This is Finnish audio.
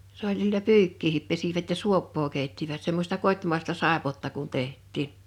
se oli sillä pyykkiäkin pesivät ja suopaa keittivät semmoista kotimaista saippuaa kun tehtiin